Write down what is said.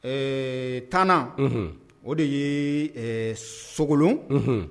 Ɛɛ tanana o de ye sogolon